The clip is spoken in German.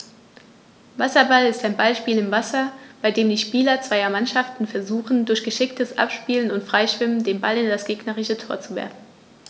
Wasserball ist ein Ballspiel im Wasser, bei dem die Spieler zweier Mannschaften versuchen, durch geschicktes Abspielen und Freischwimmen den Ball in das gegnerische Tor zu werfen.